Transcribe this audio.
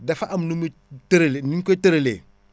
dafa am nu mu tëralee nuñ koy tëralee